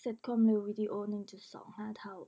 เซ็ตความเร็ววีดีโอหนึ่งจุดสองห้าเท่า